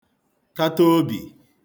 kata obì